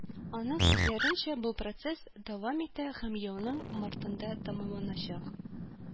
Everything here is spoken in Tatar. Аның сүзләренчә, бу процесс дәвам итә һәм елның мартында тәмамланачак